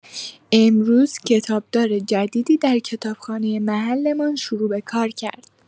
امروز کتاب‌دار جدیدی در کتابخانه محله‌مان شروع به کار کرد.